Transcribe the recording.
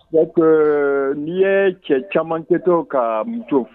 C n'i ye cɛ caman kɛ to ka muso